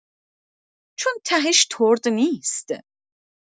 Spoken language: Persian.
چون تهش ترد نیست؟